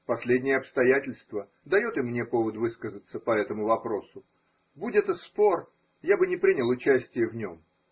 Последнее обстоятельство дает и мне повод высказаться по этому вопросу. Будь это спор. я бы не принял участия в нем.